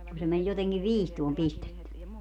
kun se meni jotenkin viistoon pistetty